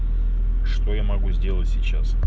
что я могу сделать сейчас